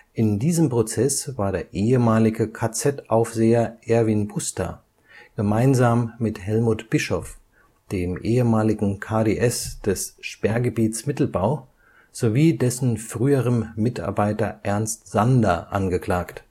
In diesem Prozess war der ehemalige KZ-Aufseher Erwin Busta gemeinsam mit Helmut Bischoff, dem ehemaligen KdS des Sperrgebiets Mittelbau, sowie dessen früherem Mitarbeiter Ernst Sander angeklagt